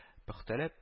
Пөхтәләп